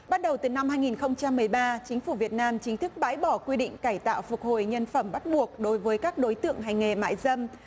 bắt đầu từ năm hai nghìn không trăm mười ba chính phủ việt nam chính thức bãi bỏ quy định cải tạo phục hồi nhân phẩm bắt buộc đối với các đối tượng hành nghề mại dâm